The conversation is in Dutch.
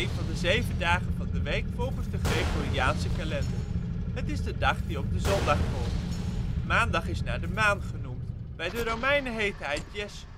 van de zeven dagen van de week volgens de Gregoriaanse kalender. Het is de dag die op de zondag volgt. Maandag is naar de maan genoemd. Bij de Romeinen heette hij dies